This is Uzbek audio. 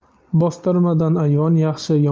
bostirmadan ayvon yaxshi